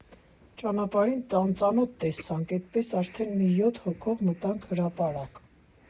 Ճանապարհին ծանոթ տեսանք, էդպես արդեն մի յոթ հոգով մտանք հրապարակ։